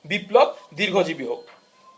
বিপ্লব দীর্ঘজীবী হোক